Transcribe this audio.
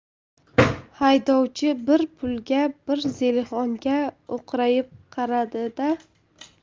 haydovchi bir pulga bir zelixonga o'qrayib qaradi da